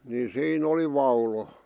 niin siinä oli vaulo